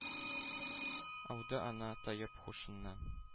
Ауды ана, таеп һушыннан,